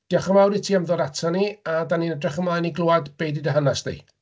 Diolch yn fawr i ti am ddod aton ni, a dan ni'n edrych ymlaen i glywed be 'di dy hanes di.